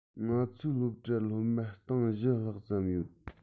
ང ཚོའི སློབ གྲྭར སློབ མ ༤༠༠༠ ལྷག ཙམ ཡོད